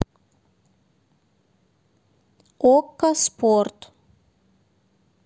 окко спорт